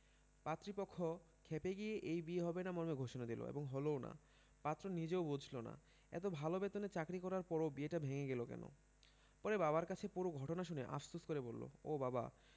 পাত্রীপক্ষ খেপে গিয়ে এ বিয়ে হবে না মর্মে ঘোষণা দিল এবং হলোও না পাত্র নিজেও বুঝল না এত ভালো বেতনে চাকরি করার পরও বিয়েটা ভেঙে গেল কেন পরে বাবার কাছে পুরো ঘটনা শুনে আফসোস করে বললও বাবা